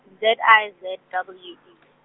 Z I Z W E.